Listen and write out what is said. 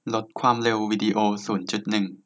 ลดความเร็ววีดีโอศูนย์จุดหนึ่ง